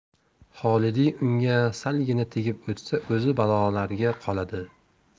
xolidiy unga salgina tegib o'tsa o'zi balolarga qoladi